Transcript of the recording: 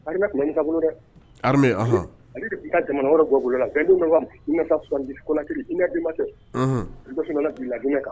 Ha sa bolo dɛ ale ka jamana wɛrɛ ga bolola i ma cɛ bi i la jumɛn kan